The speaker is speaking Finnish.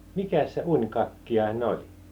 mikä se unikakkiainen oli